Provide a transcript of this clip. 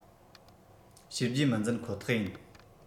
བྱས རྗེས མི འཛིན ཁོ ཐག ཡིན